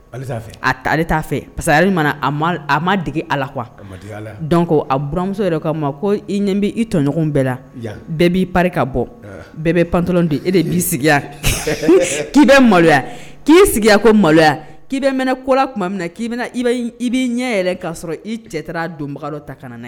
A ale t'a fɛ pasari mana a ma dege ala la qu amuso yɛrɛ'a ma ko i ɲɛ bɛ i tɔɲɔgɔn bɛɛ la bɛɛ b'i pa ka bɔ bɛɛ bɛ panttɔ di e de b'i sigi k'i bɛ maloya k'i sigiya ko maloya k'i bɛ mɛn kora tuma min na k'i i i'i ɲɛ yɛrɛ k'a sɔrɔ i cɛ donbagadɔ ta ka na